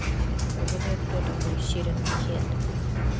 а угадай кто такой siren head